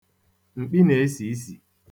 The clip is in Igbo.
Mkpi na-esi isi.